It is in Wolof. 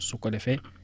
su ko defee